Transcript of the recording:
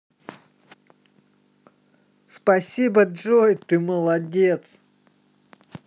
спасибо джой ты молодец